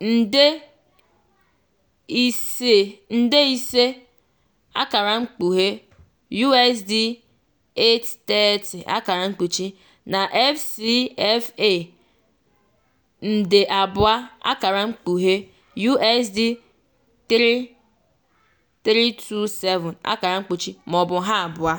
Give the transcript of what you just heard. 500,000 (USD 830) na FCFA 2,000,000 (USD 3,327), maọbụ ha abụọ.